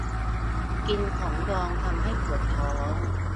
กินของดองทำให้ปวดท้อง